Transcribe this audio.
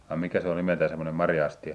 ai mikä se on nimeltään semmoinen marja-astia